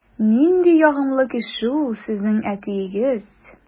Нинди ягымлы кеше ул сезнең әтиегез!